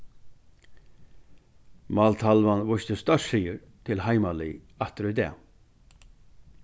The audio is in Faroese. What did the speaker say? máltalvan vísti stórsigur til heimalið aftur í dag